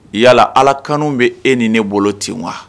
Yala ala kan bɛ e ni ne bolo ten wa